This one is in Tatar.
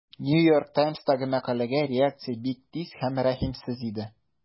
New York Times'тагы мәкаләгә реакция бик тиз һәм рәхимсез иде.